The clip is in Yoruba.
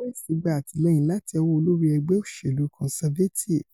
West gba àtìlẹ́yìn láti ọwọ́ olórí ẹgbẹ́ oṣèlú conservative